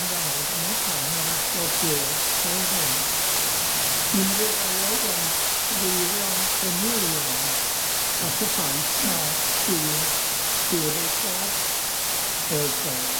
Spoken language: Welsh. amdano gan neb llai'n arall o Jay Ess Halfryn, limrig a oedd yn cyfeirio'n gynnil iawn at y ffaith ma' dyn byr ei gorff oedd Dodd.